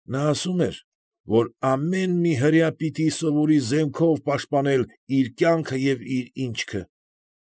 Նա ասում էր, որ ամեն մի հրեա պիտի սովորի զենքով պաշտպանել իր կյանքը և ինչքը։